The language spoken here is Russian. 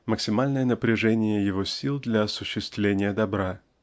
максимальное напряжение его сил для осуществления добра